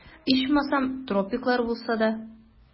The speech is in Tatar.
Ичмасам, тропиклар булса да...